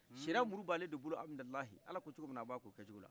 chariya muru b'ale de bolo amidalayi alako cogomina a ba k'o kɛ cogola